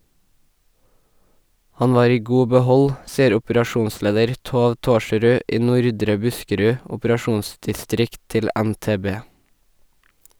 Han var i god behold , sier operasjonsleder Thov Thorsrud i Nordre Buskerud operasjonsdistrikt til NTB.